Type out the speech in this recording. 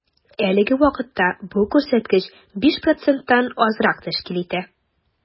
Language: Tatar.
Әлеге вакытта бу күрсәткеч 5 проценттан азрак тәшкил итә.